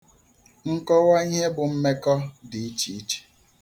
Nkọwa ihe bụ mmekọ dị iche iche.